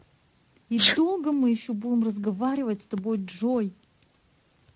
и долго мы еще будем разговаривать с тобой джой